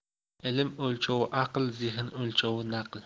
ilm o'lchovi aql zehn o'lchovi naql